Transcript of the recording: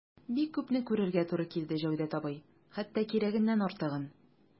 Бик күпне күрергә туры килде, Җәүдәт абый, хәтта кирәгеннән артыгын...